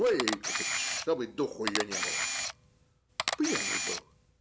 Выкопать, чтоб и духу ее не было". Пьяный был.